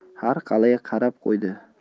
har qalay qarab qo'ydi